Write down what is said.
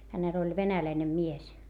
hänellä oli venäläinen mies